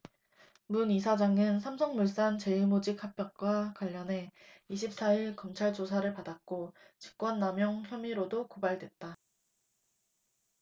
문 이사장은 삼성물산 제일모직 합병과 관련해 이십 사 일 검찰 조사를 받았고 직권남용 혐의로도 고발됐다